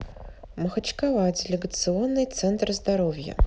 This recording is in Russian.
махачкала делегационный центр здоровья